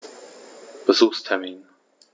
Besuchstermin